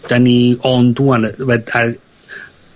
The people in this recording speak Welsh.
'Dan ni ond ŵan yy ...